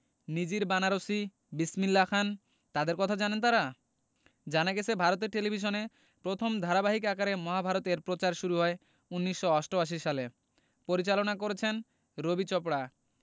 নিজির বানারসি বিসমিল্লা খান তাঁদের কথা জানেন তাঁরা জানা গেছে ভারতের টেলিভিশনে প্রথম ধারাবাহিক আকারে মহাভারত এর প্রচার শুরু হয় ১৯৮৮ সালে পরিচালনা করেছেন রবি চোপড়া